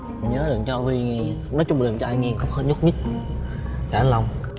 nhớ đừng cho huy nghe nói chung là đừng cho ai nghe khó nhúc nhích trải lòng